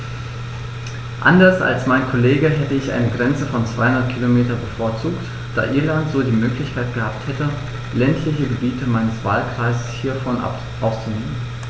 Anders als mein Kollege hätte ich eine Grenze von 200 km bevorzugt, da Irland so die Möglichkeit gehabt hätte, ländliche Gebiete meines Wahlkreises hiervon auszunehmen.